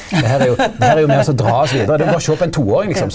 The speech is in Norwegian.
ja ja.